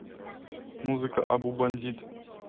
музыка абу бандит